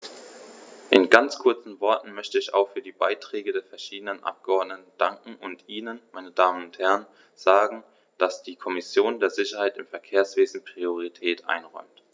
In ganz kurzen Worten möchte ich auch für die Beiträge der verschiedenen Abgeordneten danken und Ihnen, meine Damen und Herren, sagen, dass die Kommission der Sicherheit im Verkehrswesen Priorität einräumt.